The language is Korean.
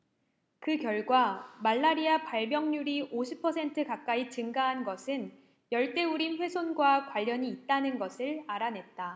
그 결과 말라리아 발병률이 오십 퍼센트 가까이 증가한 것은 열대 우림 훼손과 관련이 있다는 것을 알아냈다